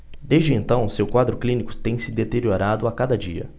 desde então seu quadro clínico tem deteriorado a cada dia